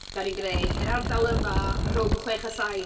Dan ni'n gwneud yr ardal yma rhwng chwech a saith.